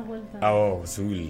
Aw su